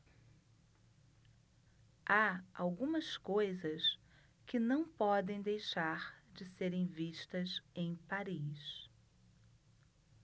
há algumas coisas que não podem deixar de serem vistas em paris